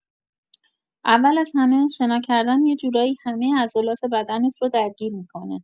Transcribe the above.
اول از همه، شنا کردن یه جورایی همه عضلات بدنت رو درگیر می‌کنه.